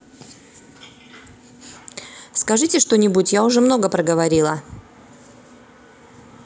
скажите что нибудь я уже много проговорила